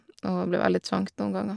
Og det ble veldig trangt noen ganger.